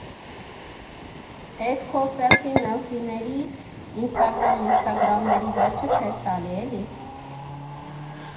Էտ քո սելֆի֊մելֆիների, ինստագրամ֊մինստագրամների վերջը չես տալիս, էլի…